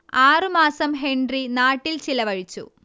ആറുമാസം ഹെൻറി നാട്ടിൽ ചിലവഴിച്ചു